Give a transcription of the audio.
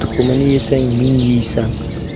tuxumini yesang ming yeysan